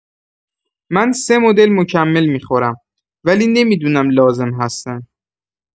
من سه مدل مکمل می‌خورم، ولی نمی‌دونم لازم هستن.